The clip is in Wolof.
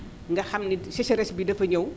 nga xam ni sécheresse bi dafa ñëw